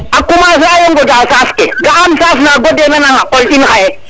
a commencer ayo ŋoda saas ke ga am saas na gode na naxa qol in xaye